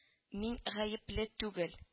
Мин гаепле түгел